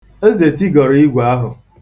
Eze tigọrọ igwe ahụ.